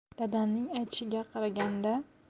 dadamning aytishiga qaraganda